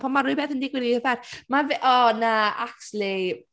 Ond pan mae rhywbeth yn digwydd i effect, mae fe... o, na acshyli...